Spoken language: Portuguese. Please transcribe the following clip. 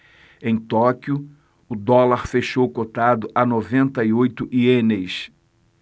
em tóquio o dólar fechou cotado a noventa e oito ienes